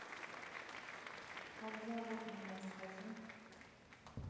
как зовут меня скажи